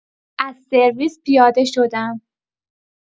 از سرویس پیاده شدم